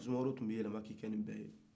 soumaworo tun bɛ yɛlɛma ka kɛ nin bɛ ye